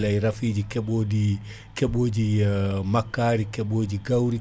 guilaaye rafiiji keɓooɗi, keɓooji makkari ,keɓooji gawri